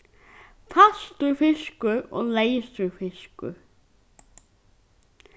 fastur fiskur og leysur fiskur